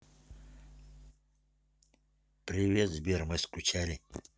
привет сбер мы скучали